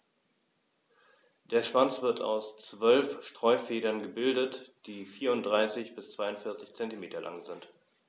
Der Schwanz wird aus 12 Steuerfedern gebildet, die 34 bis 42 cm lang sind.